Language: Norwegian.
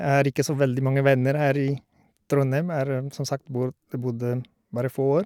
Jeg har ikke så veldig mange venner her i Trondheim, har som sagt, bor bodd bare få år.